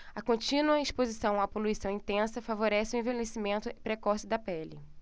a contínua exposição à poluição intensa favorece o envelhecimento precoce da pele